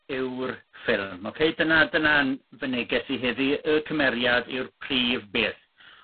yw'r ffilm ocei dyna dyna'n fy neges i heddi' y cymeriad yw'r prif beth.